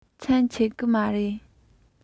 མཚམས ཆད གི མ རེད